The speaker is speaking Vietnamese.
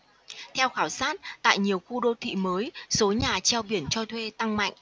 theo khảo sát tại nhiều khu đô thị mới số nhà treo biển cho thuê tăng mạnh